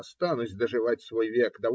Останусь доживать свой век.